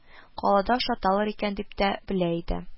Калада ашаталар икән дип тә белә иде